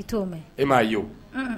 I e m'a ye o